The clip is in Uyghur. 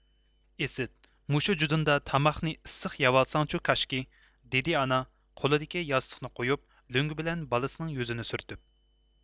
ئىسىت مۇشۇ جۇدۇندا تاماقنى ئىسسق يەۋالساڭچۇ كاشكى دىدى ئانا قولىدىكى ياستۇقنى قويۇپ لۆڭگە بىلەن بالسىنىڭ يۈزىنى سۈرتۈپ